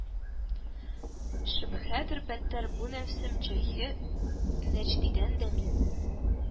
«шөбһәдер: бәдтәр бу нәфсем шэйхе нәҗдидән дәми